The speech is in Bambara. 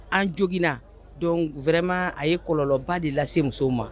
An jona don wɛrɛma a ye kɔlɔlɔnlɔba de lase musow ma